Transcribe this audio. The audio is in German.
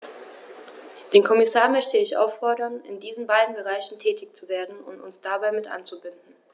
Den Kommissar möchte ich auffordern, in diesen beiden Bereichen tätig zu werden und uns dabei mit einzubinden.